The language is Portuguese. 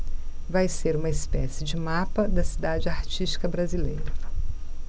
vai ser uma espécie de mapa da cidade artística brasileira